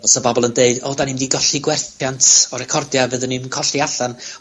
Fysa bobol yn deud, o 'dan ni mynd i golli gwerthiant o recordia' a fyddwn ni'n colli allan.